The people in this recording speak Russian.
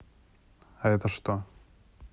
а это что